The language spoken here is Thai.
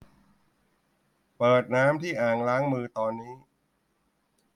เปิดน้ำที่อ่างล้างมือตอนนี้